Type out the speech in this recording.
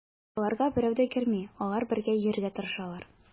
Аларга берәү дә керми, алар бергә йөрергә тырышалар.